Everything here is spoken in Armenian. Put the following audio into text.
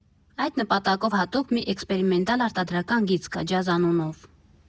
Այդ նպատակով հատուկ մի էքսպերիմենտալ արտադրական գիծ կա «Ջազ» անունով։